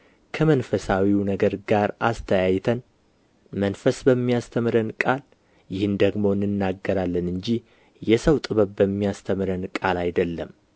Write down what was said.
ከመንፈሳዊው ነገር ጋር አስተያይተን መንፈስ በሚያስተምረን ቃል ይህን ደግሞ እንናገራለን እንጂ የሰው ጥበብ በሚያስተምረን ቃል አይደለም